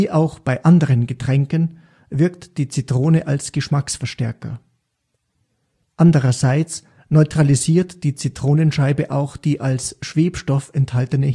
auch bei anderen Getränken wirkt die Zitrone als Geschmacksverstärker. Andererseits neutralisiert die Zitronenscheibe auch die als Schwebstoff enthaltene